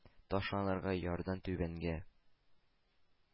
Ташланырга ярдан түбәнгә.